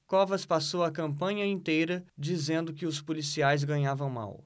covas passou a campanha inteira dizendo que os policiais ganhavam mal